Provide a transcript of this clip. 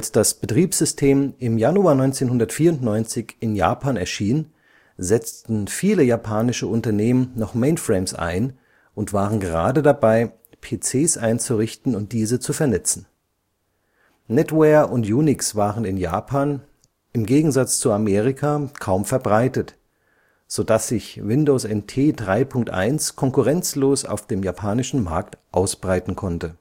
das Betriebssystem im Januar 1994 in Japan erschien, setzten viele japanische Unternehmen noch Mainframes ein und waren gerade dabei, PCs einzurichten und diese zu vernetzen. NetWare und Unix waren in Japan, im Gegensatz zu Amerika, kaum verbreitet, sodass sich Windows NT 3.1 konkurrenzlos auf dem japanischen Markt ausbreiten konnte